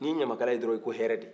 ni ye ɲamakala ye dɔrɔn i ko hɛrɛ de